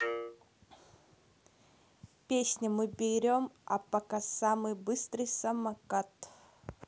песня мы берем а пока самый быстрый самокат